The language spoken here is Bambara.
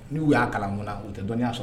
N'u u y'a kalan u tɛ dɔnni y'a sɔrɔ